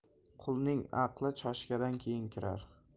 qulning aqli choshkadan keyin kirar